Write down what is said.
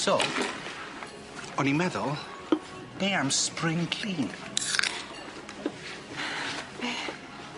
So, o'n i'n meddwl, be' am spring clean? Be'?